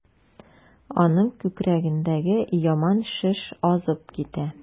Аның күкрәгендәге яман шеш азып китә.